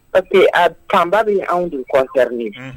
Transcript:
Pa que a fanba bɛ anw dun kɔnte